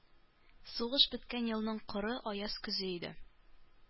Сугыш беткән елның коры, аяз көзе иде.